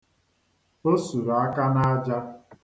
O suru aka n'aja.